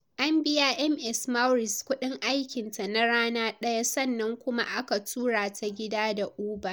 An biya ms. Maurice kudin aikin ta na rana daya sannan kuma aka tura ta gida da uber.